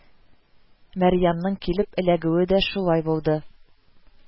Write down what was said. Мәрьямнең килеп эләгүе дә шулай булды